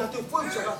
Tɛ ko sara